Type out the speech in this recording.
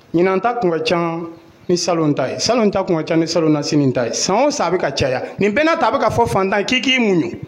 Ɲinan ta kun ka ca ni salon ta sanu ta kun ca ni salonuna sini ta san san bɛ ka caya nin bɛnana ta bɛ ka fɔ fantan k'i k'i mun ye